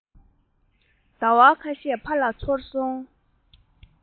ཟླ བ ཁ ཤས ཕར ལ སོང ཡང